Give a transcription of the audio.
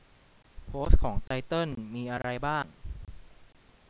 โพสต์ของไตเติ้ลมีอะไรบ้าง